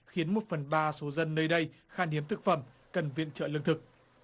khiến một phần ba số dân nơi đây khan hiếm thực phẩm cần viện trợ lương thực